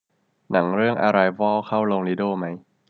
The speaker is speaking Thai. หนังเรื่องอะไรวอลเข้าโรงลิโด้มั้ย